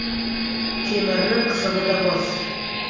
temirni qizig'ida bos